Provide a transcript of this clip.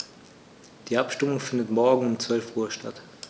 Die Abstimmung findet morgen um 12.00 Uhr statt.